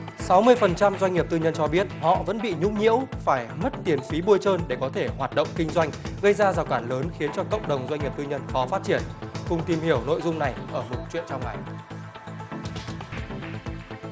sáu mươi phần trăm doanh nghiệp tư nhân cho biết họ vẫn bị nhũng nhiễu phải mất tiền phí bôi trơn để có thể hoạt động kinh doanh gây ra rào cản lớn khiến cho cộng đồng doanh nghiệp tư nhân khó phát triển cùng tìm hiểu nội dung này ở mục chuyện trong ngày